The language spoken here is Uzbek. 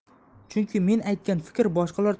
chunki men aytgan fikr boshqalar